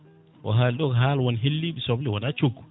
o haaliɗo ko haala won helliɓe soble wona coggu